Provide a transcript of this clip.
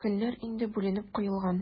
Көннәр инде бүленеп куелган.